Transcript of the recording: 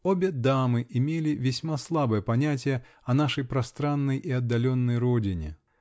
Обе дамы имели весьма слабое понятие о нашей пространной и отдаленной родине